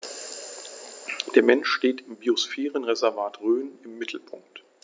Der Mensch steht im Biosphärenreservat Rhön im Mittelpunkt.